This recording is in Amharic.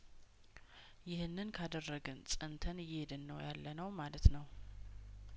ይህንን ካደረግን ጸንተን እየሄድን ነው ያለነው ማለት ነው